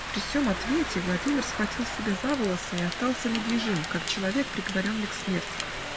При сем ответе Владимир схватил себя за волосы и остался недвижим, как человек, приговоренный к смерти.